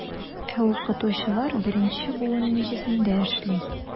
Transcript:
Ә укытучылар беренче буын нигезендә эшли.